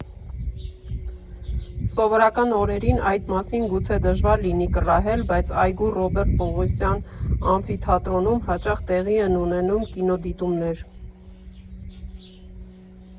Սովորական օրերին այդ մասին գուցե դժվար լինի կռահել, բայց այգու Ռոբերտ Պողոսյան ամֆիթատրոնում հաճախ տեղի են ունենում կինոդիտումներ.